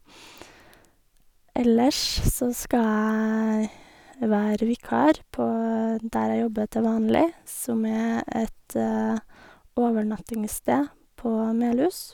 Ellers så skal jeg være vikar på der jeg jobber til vanlig, som er et overnattingssted på Melhus.